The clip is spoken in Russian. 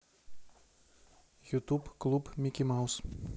ютуб клуб микки маус